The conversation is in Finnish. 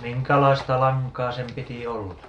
minkälaista lankaa sen piti olla